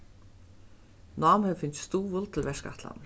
nám hevur fingið stuðul til verkætlanina